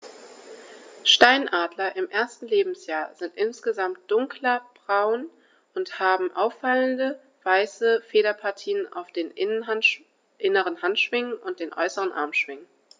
Steinadler im ersten Lebensjahr sind insgesamt dunkler braun und haben auffallende, weiße Federpartien auf den inneren Handschwingen und den äußeren Armschwingen.